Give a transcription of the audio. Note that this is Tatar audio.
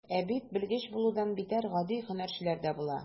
Ә бит белгеч булудан битәр, гади һөнәрчеләр дә була.